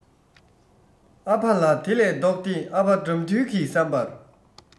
ཨ ཕ ལ དེ ལས ལྡོག སྟེ ཨ ཕ དགྲ འདུལ གི བསམ པར